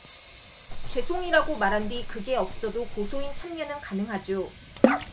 죄송 이라고 말한 뒤 그게 없어도 고소인 참여는 가능하죠